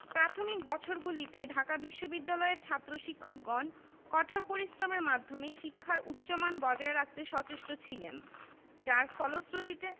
মোহাম্মদ সাদেকও নির্মমভাবে নিহত হন নানা প্রতিকূলতার মধ্যেও ছাত্র শিক্ষকদের সম্মিলিত প্রচেষ্টার ফলে